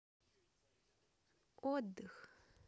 отдых